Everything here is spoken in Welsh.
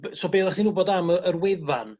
b- so be' odda chi'n wbod am y yr wefan